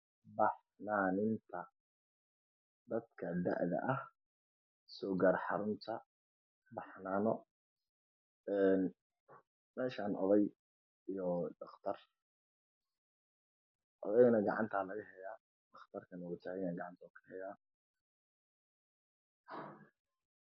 Baxnaaninta dadka waaweyn soogaar xarunta baxnaano meeshaan waxaa taagan dhaqtar iyo oday gacanta laga hayo.